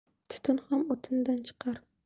tutun ham o'tindan chiqar